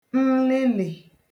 nlịlị̀